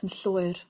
Yn llwyr.